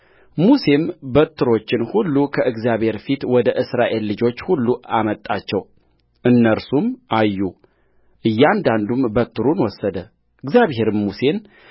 ሙሴም በትሮችን ሁሉ ከእግዚአብሔር ፊት ወደ እስራኤል ልጆች ሁሉ አወጣቸው እነርሱም አዩ እያንዳንዱም በትሩን ወሰደእግዚአብሔርም ሙሴን